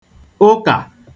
ụkà